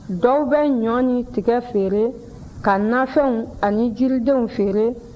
dɔw bɛ ɲɔ ni tiga feere ka nafɛnw ani jiridenw feere